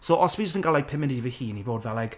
so os fi jyst yn gael like, pum munud i fy hun, i bod fel like: